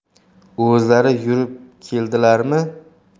o'zlari yurib keldilarmi